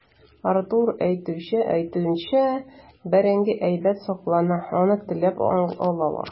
Артур әйтүенчә, бәрәңге әйбәт саклана, аны теләп алалар.